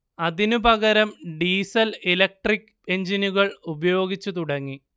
അതിനുപകരം diesel electric എഞ്ചിനുകൾ ഉപയോഗിച്ചു തുടങ്ങി